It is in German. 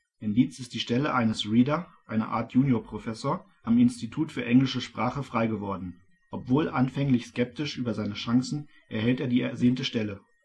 In Leeds ist die Stelle eines » Reader « (eine Art Juniorprofessor) am Institut für englische Sprache freigeworden. Obwohl anfänglich skeptisch über seine Chancen erhält er die ersehnte Stelle